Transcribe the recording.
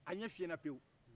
a ɲɛ fiyen na pew